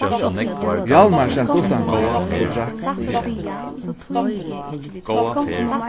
hjalmar sat uttanfyri og drakk te